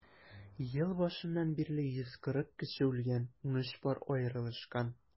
Ел башыннан бирле 140 кеше үлгән, 13 пар аерылышкан.